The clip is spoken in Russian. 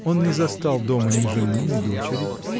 Он не застал дома ни жены, ни дочери